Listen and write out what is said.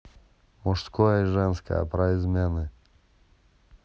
мужское и женское про измены